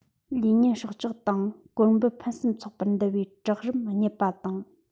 ལུས མཉེན སྲོག ཆགས དང གོར འབུ ཕུན སུམ ཚོགས པར འདུ བའི བྲག རིམ རྙེད པ དང